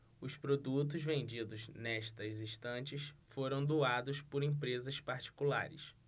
os produtos vendidos nestas estantes foram doados por empresas particulares